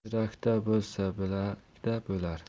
yurakda bo'lsa bilakda bo'lar